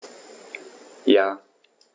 Ja.